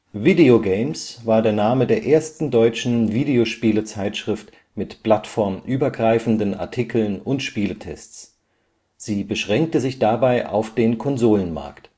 Video Games war der Name der ersten deutschen Videospiele-Zeitschrift mit plattformübergreifenden Artikeln und Spieletests. Sie beschränkte sich dabei auf den Konsolenmarkt